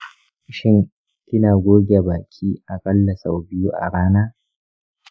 shin kina goge baki aƙalla sau biyu a rana?